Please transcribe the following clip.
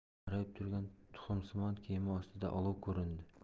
qorayib turgan tuxumsimon kema ostida olov ko'rindi